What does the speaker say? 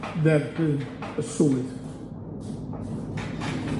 dderbyn y swydd.